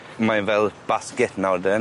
Mae e'n fel basget nawr den.